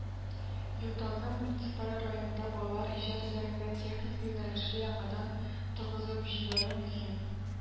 Ютазы муниципаль районында балалар иҗат үзәгендә техник юнәлешне яңадан торгызып җибәрү мөһим.